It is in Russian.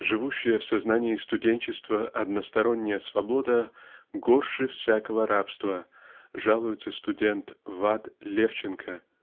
"Живущая в сознании студенчества односторонняя свобода горше всякого рабства -- жалуется студент Вад. Левченко